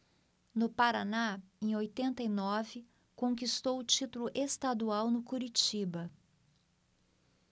no paraná em oitenta e nove conquistou o título estadual no curitiba